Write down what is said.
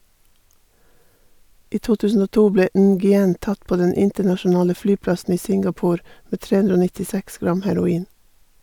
I 2002 ble Nguyen tatt på den internasjonale flyplassen i Singapore med 396 gram heroin.